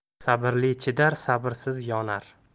sabrli chidar sabrsiz yonar